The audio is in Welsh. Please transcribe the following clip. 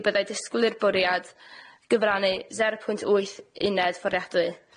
byddai disgwyl i'r bwriad gyfrannu sero pwynt wyth uned fforddiadwy.